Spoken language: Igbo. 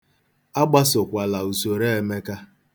Agbasokwala usoro Emeka.